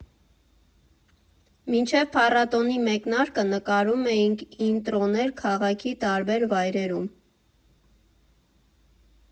Մինչև փառատոնի մեկնարկը նկարում էինք ինտրոներ քաղաքի տարբեր վայրերում.